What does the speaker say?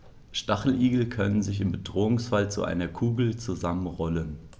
Stacheligel können sich im Bedrohungsfall zu einer Kugel zusammenrollen.